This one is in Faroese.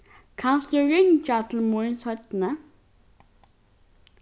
kanst tú ringja til mín seinni